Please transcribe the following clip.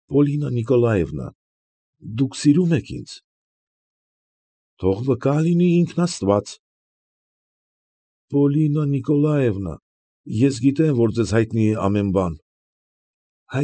Պոլինա Նիկոլաևնա, դուք սիրո՞ւմ եք ինձ։ ֊ Թող վկա լինի ինքն աստված։ ֊ Պոլինա Նիկոլաևնա, հո գիտեմ, որ ձեզ հայտնի է ամեն բան։ ֊